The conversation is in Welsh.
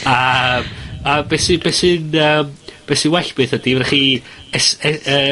a a a a a be' sy be' sy'n yym be' sy'n well beth ydi ma' 'da chi es- yy yy